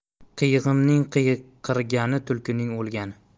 qiyg'iming qiyqirgani tulkining o'lgani